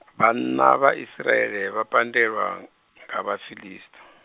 vhanna vha Isiraele vha pandelwa, nga Vhafiḽisit- .